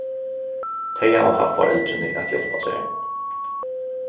tey hava havt foreldrini at hjálpa sær